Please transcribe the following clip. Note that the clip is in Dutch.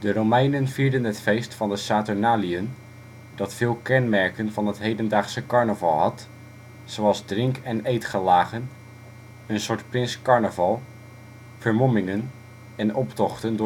Romeinen vierden het feest van de saturnaliën dat veel kenmerken van het hedendaagse carnaval had zoals drink - en eetgelagen, een soort prins carnaval, vermommingen en optochten